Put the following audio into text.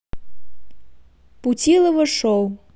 путилова шоу